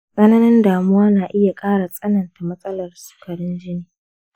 tsananin damuwa na iya ƙara tsananta matsalar sukarin jini.